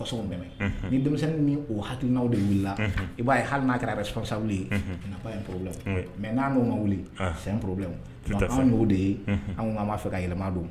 Masaw dɛmɛ unhun ni denmisɛnnin ni o hakilinaw de wilila unhun i b'a ye hali n'a kɛra responsable ye unhun il n'a pas un problème oui unhun mais n'a n'o ma wili ann c'est un problème tout à fait wa an' y'o de ye unhun an' ŋo ŋ'an b'a fɛ ka yɛlɛma don